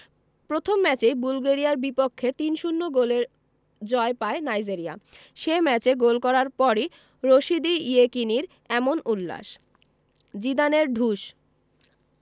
প্রথম ম্যাচেই বুলগেরিয়ার বিপক্ষে ৩ ০ গোলের জয় পায় নাইজেরিয়া সে ম্যাচে গোল করার পরই রশিদী ইয়েকিনির এমন উল্লাস জিদানের ঢুস